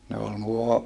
ne oli nuo